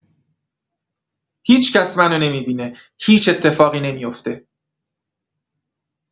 هیچ‌کس منو نمی‌بینه، هیچ اتفاقی نمی‌افته.